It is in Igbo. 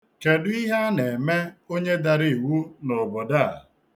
Kedu ihe a na-eme onye dara iwu n'obodo a?